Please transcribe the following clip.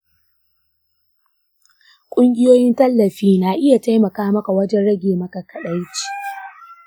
ƙungiyoyin tallafi na iya taimaka maka wajan rage maka kaɗaici.